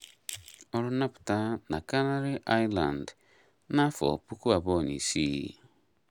Ọrụ nnapụta na Canary Islands n'afọ 2006.